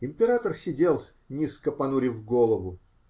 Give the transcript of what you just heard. Император сидел, низко понурив голову.